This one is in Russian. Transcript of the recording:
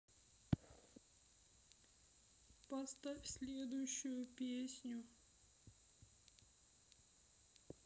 поставь следующую песню